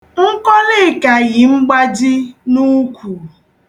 Nkọlịka yi mgbaji n'ukwu.